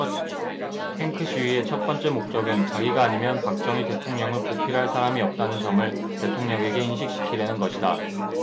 탱크 시위의 첫 번째 목적은 자기가 아니면 박정희 대통령을 보필할 사람이 없다는 점을 대통령에게 인식시키려는 것이다